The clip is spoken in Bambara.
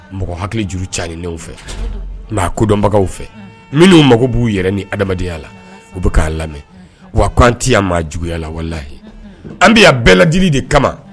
Mɔgɔ hakili juru caaninen fɛ maa kodɔnbagaw fɛ minnu mago b'u yɛrɛ ni adamadenyaya la u bɛ ka lamɛn wa koan tɛ yan maa juguyaya la walayi an bɛ bɛɛj de kama